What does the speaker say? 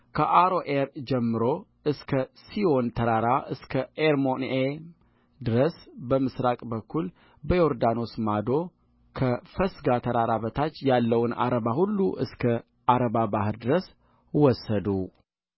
ከአሮዔር ጀምሮ እስከ ሲዎን ተራራ እስከ አርሞንዔም ድረስበምሥራቅ በኩል በዮርዳኖስ ማዶ ከፈስጋ ተራራ በታች ያለውን ዓረባ ሁሉ እስከ ዓረባ ባሕር ድረስ ወሰዱ